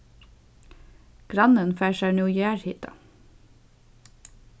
grannin fær sær nú jarðhita